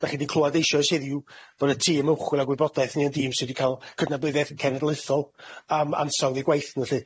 Dach chi di clwad eisoes heddiw bo' na tîm ymchwil ag wybodaeth ni yn dîm sy' di ca'l cydnabyddiaeth cenedlaethol am ansawdd i gwaith nw lly.